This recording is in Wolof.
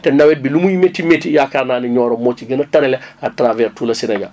te nawet bi lu muy métti métti yaakaar naa ne Nioro moo ci gën a tane la à travers tout le Sénégal